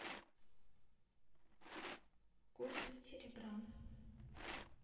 курс серебра